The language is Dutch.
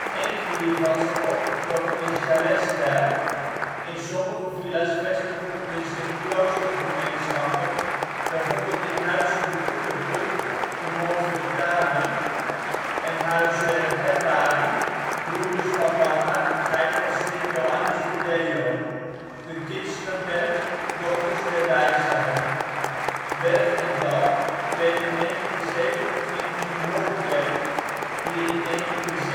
Enkele ervan zijn opgetrokken in chaletstijl. In sommige villa 's vestigden zich kloostergemeenschappen, bijvoorbeeld in Huyse de Uleput (montfortanen), Huis Herwarden (broeders van barmhartigheid van Sint-Joannes de Deo), De Kitselenberg (Dochters der Wijsheid). Berg en Dal kreeg in 1927 een hulpkerk, die in 1947 parochiekerk werd. In 1966